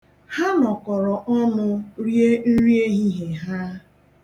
Ha nọkọrọ ọnụ rie nri ehihie ha.